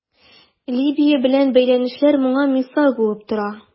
Либия белән бәйләнешләр моңа мисал булып тора.